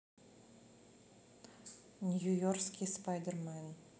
нью йоркский спайдер мэн